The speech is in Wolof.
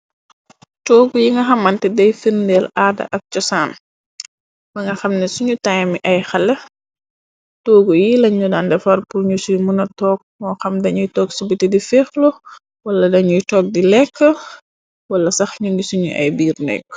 toogu yi nga xamante dey firndeel aada ak cosaan bë nga xam ne suñu taaymi ay xale toogu yi lañu daan defarpul ñu suy mëna toog moo xam dañuy toog ci biti di feexlo wala dañuy toog di lekk wala sax ñu ngi suñu ay biir nuyk.